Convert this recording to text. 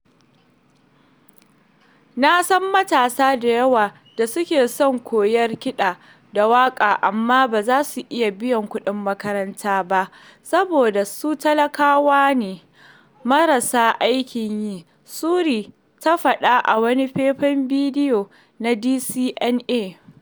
Na san matasa da yawa da suke son koyar kiɗa da waƙa amma ba za su iya biyan kuɗin makaranta ba saboda su talakawa ne marasa aikin yi, Surri ta faɗa a wani faifan bidiyo na DCMA.